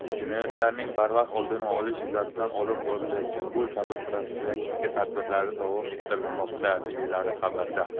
jinoyatlarning barvaqt oldini olish yuzasidan olib borilayotgan bu kabi profilaktik tadbirlar davom ettirilmoqda deyiladi xabarda